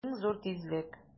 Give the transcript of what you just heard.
Иң зур тизлек!